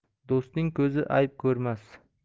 do'stning ko'zi ayb ko'rmas